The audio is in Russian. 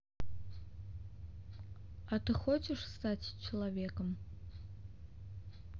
а ты хочешь стать человеком